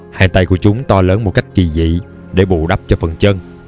hai tay của chúng to lớn một cách kỳ dị để bù đắp cho phần chân